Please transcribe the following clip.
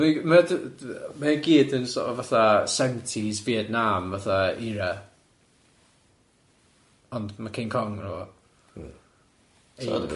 Mae mae o d- mae o gyd yn sort of fatha seventies Vietnam fatha era, ond ma' King Kong yno fo.